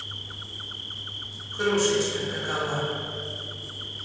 крошечка какова